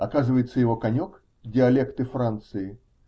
Оказывается, его конек -- диалекты Франции.